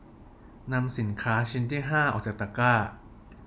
นำสินค้าชิ้นที่ห้าออกจากตะกร้า